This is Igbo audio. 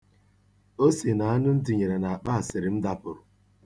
Ose na anụ m tinyere n'akpaasịrị m dapụrụ.